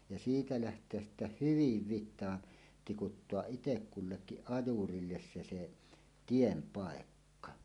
ja siitä lähteä sitten hyvin vitaan tikuttaa itse kullekin ajurille se se tien paikka